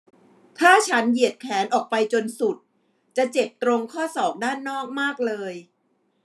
ถ้าฉันเหยียดแขนออกไปจนสุดจะเจ็บตรงข้อศอกด้านนอกมากเลย